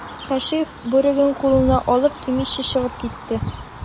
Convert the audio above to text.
Кәшиф, бүреген кулына алып, кимичә чыгып китте.